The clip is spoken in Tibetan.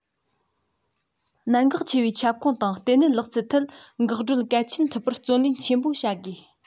གནད འགག ཆེ བའི ཁྱབ ཁོངས དང ལྟེ གནད ལག རྩལ ཐད འགག སྒྲོལ གལ ཆེན ཐུབ པར བརྩོན ལེན ཆེན པོ བྱ དགོས